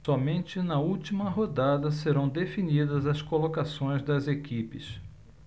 somente na última rodada serão definidas as colocações das equipes